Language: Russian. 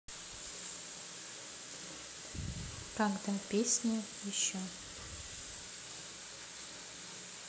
когда песня еще